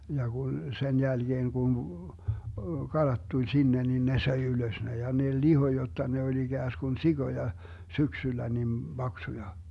ja kun sen jälkeen kun kalat tuli sinne niin ne söi ylös ne ja ne lihoi jotta ne oli ikään kuin sikoja syksyllä niin paksuja